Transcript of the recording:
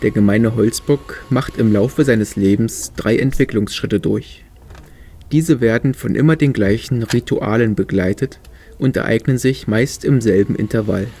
Gemeine Holzbock macht im Laufe seines Lebens drei Entwicklungsschritte durch. Diese werden immer von den gleichen „ Ritualen “begleitet und ereignen sich meist im selben Intervall